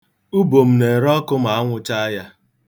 Ubom na-ere ọkụ ma anwụ chaa ya.